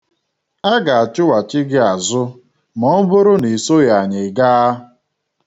A ga-achụghachi gị azụ ma ọ bụrụ na i soghi anyị gaa.